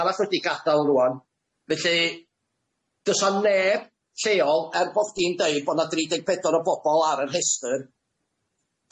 arall wedi gadal rŵan felly dy's na neb lleol er bo' chdi'n deud bo' na dri deg pedwar o bobol ar yr rhestr,